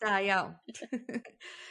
Da iawn